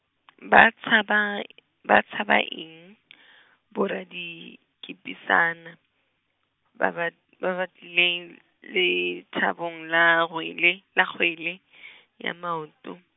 ba tšhaba , ba tšhaba eng , borra dikepisana, ba ba, ba ba tlile lethabong la gwele la kgwele , ya maoto.